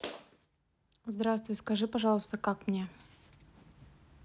здравствуй скажи пожалуйста как мне